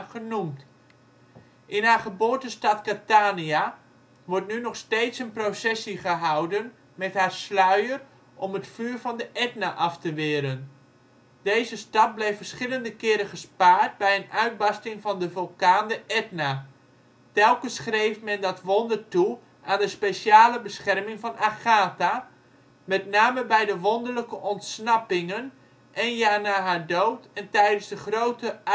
genoemd. In haar geboortestad Catania wordt nu nog steeds een processie gehouden met haar sluier om het vuur van de Etna af te weren. Deze stad bleef verschillende keren gespaard bij een uitbarsting van de vulkaan de Etna; telkens schreef men dat wonder toe aan de speciale bescherming van Agatha, met name bij de wonderlijke ontsnappingen één jaar na haar dood en tijdens de grote uitbarsting